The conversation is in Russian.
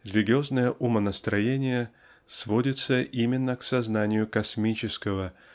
Религиозное умонастроение сводится именно к сознанию космического